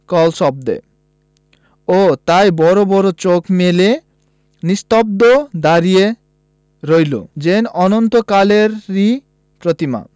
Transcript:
কলশব্দে ও তাই বড় বড় চোখ মেলে নিস্তব্ধ দাঁড়িয়ে রইল যেন অনন্তকালেরই প্রতিমা